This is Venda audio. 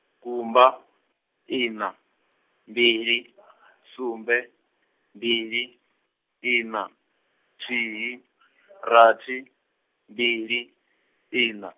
gumba, ina, mbili , sumbe, mbili, ina, thihi rathi, mbili, ina.